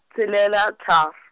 tshelela thar-.